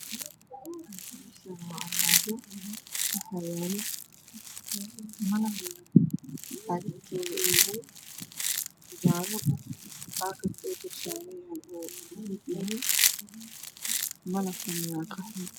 Waa armaajo waxaa yaalo malab caagadkuna uu yahay jaalo, baakadka uu dulsaaran yahay waa jaalo. Malabku waa qaxwi.